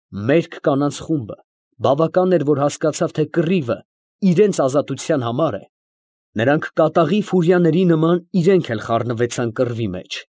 Մերկ կանանց խումբը բավական էր, որ հասկացավ, թե կռիվը իրանց ազատության համար է. ֊ նրանք կատաղի ֆուրիաների նման իրանք էլ խառնվեցան կռվի մեջ։